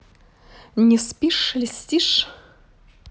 не спишь льстишь